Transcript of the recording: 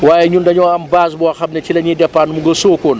waaye ñun dañoo am base boo xam ne ci la ñuy dépendre mu nga Sokone